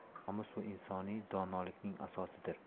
nomus bu insoniy donolikning asosidir